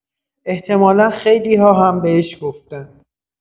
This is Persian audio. احتمالا خیلی‌ها هم بهش گفتن